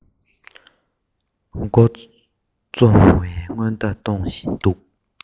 མགོ རྩོམ བའི སྔོན བརྡ གཏོང བཞིན འདུག